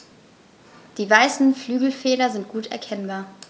Die weißen Flügelfelder sind gut erkennbar.